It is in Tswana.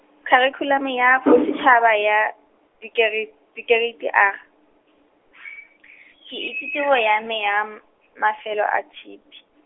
Kharikhulamo ya Bosetshaba ya, Dikeri-, Dikereiti R , ke itse tiro ya me ya m-, mafelo a tshipi.